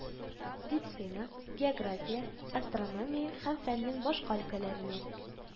Дицина, география, астрономия һәм фәннең башка өлкәләренә